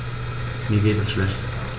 Mir geht es schlecht.